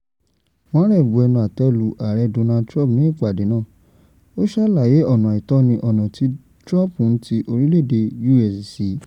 Warren bu ẹnu àtẹ́ẹnu lu ààrẹ Donald Trump ní ìpàdé náà, ó ṣàlàyé ọ̀nà àìtọ́ ni ọ̀nà tí Trump ń ti orílẹ̀èdè US sí.